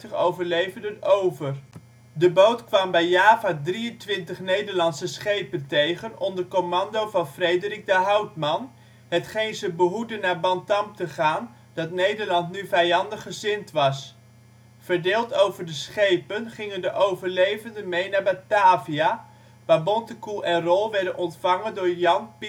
overlevenden over. De boot kwam bij Java 23 Nederlandse schepen tegen onder commando van Frederik de Houtman, hetgeen ze behoedde naar Bantam te gaan dat Nederland nu vijandig gezind was. Verdeeld over de schepen gingen de overlevenden mee naar Batavia, waar Bontekoe en Rol werden ontvangen door Jan Pieterszoon Coen